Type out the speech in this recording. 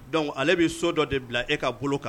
Dɔnku ale bɛ so dɔ de bila e ka golo kan